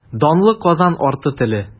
Данлы Казан арты теле.